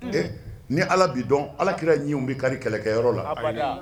Ɛɛ ni ala bi dɔn alakira bɛ ka ni kɛlɛkɛyɔrɔ la